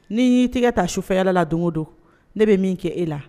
Nii y'i tɛgɛ taa sufɛya la don o don ne bɛ min kɛ e la